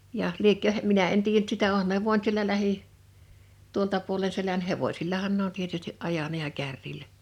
ja liekö minä en tiedä nyt sitä onhan ne voinut siellä lähi tuolta puolen selän hevosillahan ne on tietysti ajanut ja kärryllä